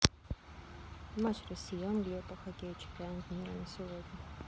матч россия англия по хоккею чемпионат мира на сегодня